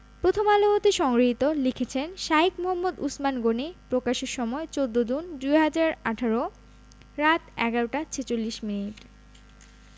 প্রথমআলো হতে সংগৃহীত লিখেছেন শাঈখ মুহাম্মদ উছমান গনী প্রকাশের সময় ১৪ জুন ২০১৮ রাত ১১টা ৪৬ মিনিট